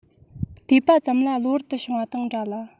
བལྟས པ ཙམ ལ གློ བུར དུ བྱུང བ དང འདྲ ལ